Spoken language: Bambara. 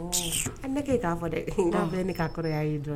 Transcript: Ne'a fɔ dɛ' ne ye